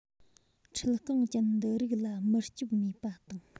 འཁྲིལ རྐང ཅན འདི རིགས ལ མུར ལྕིབས མེད པ དང